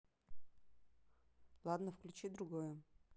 ладно включи другое